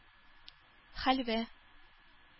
Хәлвә